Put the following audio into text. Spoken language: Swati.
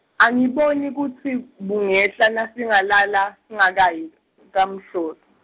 angiboni kutsi bungehla masingalala, singakayi, kaMhlolo.